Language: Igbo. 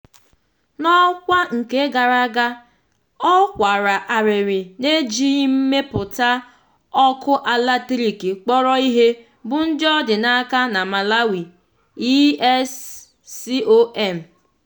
N'ọkwa nke gara aga, ọ kwara arịrị n'ejighi mmepụta ọkụ eletrik kpọrọ ihe bụ ndị ọ dị n'aka na Malawi ESCOM.